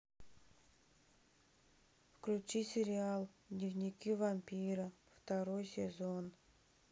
включи сериал дневники вампира второй сезон